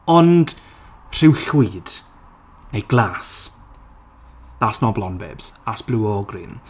ond rhyw llwyd neu glas. Thats not blond babes thats blue or green.